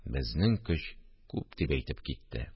Безнең көч күп!.. – дип әйтеп китте